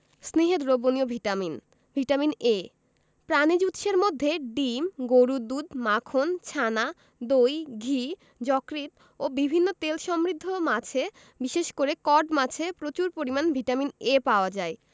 স্নেহে দ্রবণীয় vitamin vitamin A প্রাণিজ উৎসের মধ্যে ডিম গরুর দুধ মাখন ছানা দই ঘি যকৃৎ ও বিভিন্ন তেলসমৃদ্ধ মাছে বিশেষ করে কড মাছে প্রচুর পরিমান ভিটামিন A পাওয়া যায়